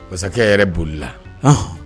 Masakɛ yɛrɛ boli la h